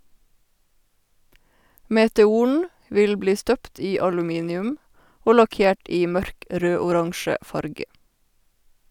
Meteoren vil bli støpt i aluminium og lakkert i mørk rød-oransje farge.